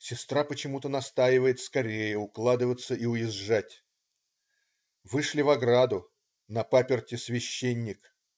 " Сестра почему-то настаивает скорее укладываться и уезжать. Вышли в ограду. На паперти - священник.